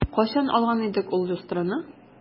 Кайчан алган идек ул люстраны?